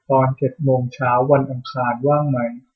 ตอนเจ็ดโมงเช้าวันอังคารว่างไหม